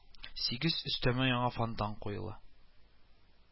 Сигез өстәмә яңа фонтан куела